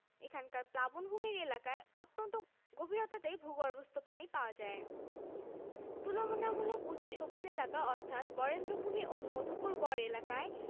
প্রায় ১০টি ইজারা অর্থসংস্থান প্রতিষ্ঠান লিজিং কোম্পানিস ডাকঘর সঞ্চয়ী ব্যাংক এবং ডাক বিভাগের জীবন বীমা প্রকল্প দেশের অর্থসংস্থান কাঠামোর অধিকাংশই বাণিজ্যিক ব্যাংক কেন্দ্রিক